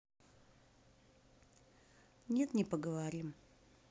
нет не поговорим